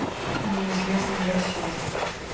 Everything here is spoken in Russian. неизвестная россия